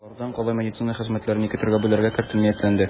Болардан кала медицина хезмәтләрен ике төргә бүләргә кертү ниятләнде.